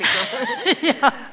ja.